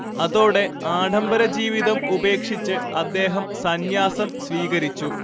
അതോടെ ആഢംബരജീവിതം ഉപേക്ഷിച്ച് അദ്ദേഹം സന്യാസം സ്വീകരിച്ചു